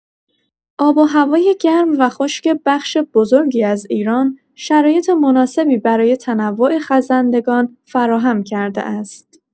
آب‌وهوای گرم و خشک بخش بزرگی از ایران، شرایط مناسبی برای تنوع خزندگان فراهم کرده است.